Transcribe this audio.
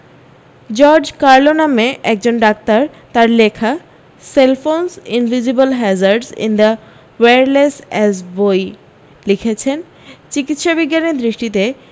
George Carlo নামে একজন doctor তার লেখা cell phones invisible hazards in the wireless age বই লিখেছেন চিকিৎসাবিজ্ঞানের দৃষ্টিতে